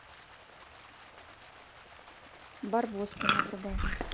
барбоскина врубай